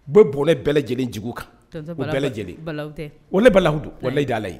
Bɛ bɔlen bɛɛ lajɛlenjugu kan o bɛɛ lajɛlen o baladu da ala ye